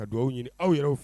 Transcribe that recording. Ka dugawu aw yɛrɛ